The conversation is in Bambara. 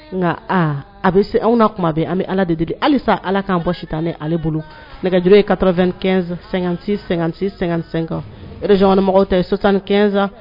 Nka aaa a bɛ se an tuma bɛ an bɛ ala de halisa ala kan bɔ si tan ale bolo nɛgɛj ye kafɛnɔn tɛsanzsan